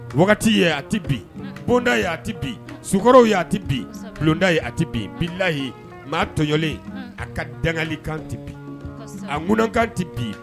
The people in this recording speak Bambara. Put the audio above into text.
Wagati ye a tɛ bi bonda ye a tɛbi sokɔrɔw a tɛbi bulonda ye a tɛbi bilayi maa tɔyɔlen a ka dangali kan tɛ bi a kunkan tɛ bi